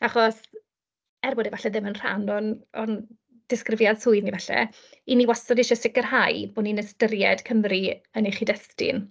Achos, er bod e falle ddim yn rhan o'n o'n disgrifiad swydd ni falle, 'yn ni wastad isie sicrhau bod ni'n ystyried Cymru yn ei chyd-destun.